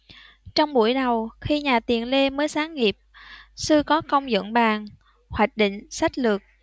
trong buổi đầu khi nhà tiền lê mới sáng nghiệp sư có công dựng bàn hoạch định sách lược